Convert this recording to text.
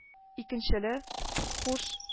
- икенчеле... - хуш